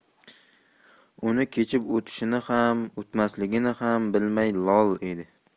uni kechib o'tishini ham o'tmasligini ham bilmay lol edi